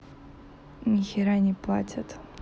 нихера не платят